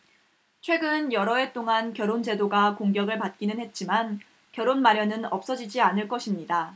최근 여러 해 동안 결혼 제도가 공격을 받기는 했지만 결혼 마련은 없어지지 않을 것입니다